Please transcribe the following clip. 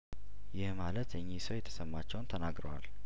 ይህ ማለት እኚህ ሰው የተሰማቸውን ተናግረዋል